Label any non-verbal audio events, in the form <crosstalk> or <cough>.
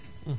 <hesitation>